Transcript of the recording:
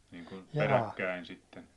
niin kuin peräkkäin sitten